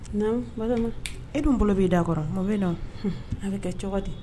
N e bɛ bolo b bɛi da a kɔrɔ bɛ dɔn an bɛ kɛ cogo di